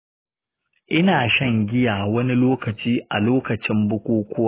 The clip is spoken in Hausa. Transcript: ina shan giya wani lokaci a lokacin bukukuwa.